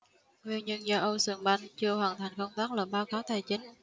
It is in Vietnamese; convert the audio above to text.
nguyên nhân do ocean bank chưa hoàn thành công tác lập báo cáo tài chính